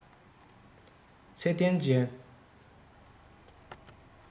ཚད ལྡན ཅན